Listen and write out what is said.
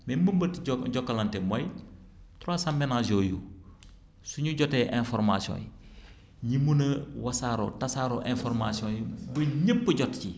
mais mbëbët Jokalante mooy trois cent ménages yooyu su ñu jotee information yi ñi mën a wasaaroo tasaaroo information yi ba ñépp jot ci